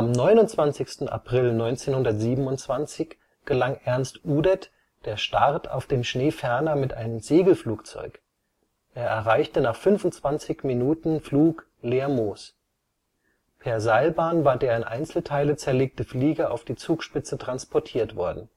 29. April 1927 gelang Ernst Udet der Start auf dem Schneeferner mit einem Segelflugzeug, er erreichte nach 25 min Flug Lermoos. Per Seilbahn war der in Einzelteile zerlegte Flieger auf die Zugspitze transportiert worden